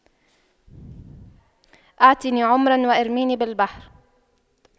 اعطني عمرا وارميني بالبحر